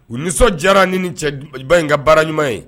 U nisɔn diyara ni cɛba in ka baara ɲuman ye